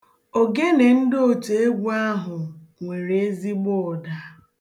Ogene ndị otu egwu ahụ nwere ezigbo ụda.